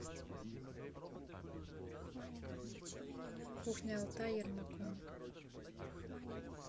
кухня алтай ермаком